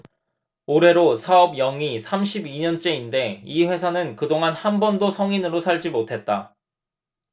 올해로 사업 영위 삼십 이 년째인데 이 회사는 그동안 한 번도 성인으로 살지 못했다